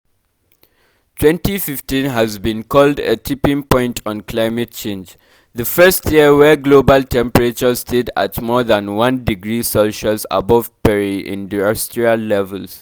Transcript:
2015 has been called a tipping point on climate change; the first year where global temperatures stayed at more than 1°C above preindustrial levels.